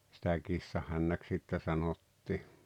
sitä kissanhännäksi sitten sanottiin